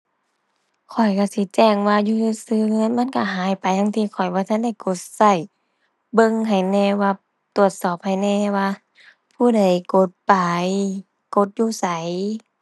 ข้อยก็สิแจ้งว่าอยู่ซื่อซื่อเงินมันก็หายไปทั้งที่ข้อยบ่ทันได้กดก็ เบิ่งให้แหน่ว่า ตรวจสอบให้แหน่ว่า ผู้ใดกดไป กดอยู่ไส